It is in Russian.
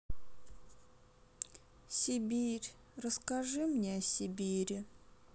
сибирь расскажи мне о сибири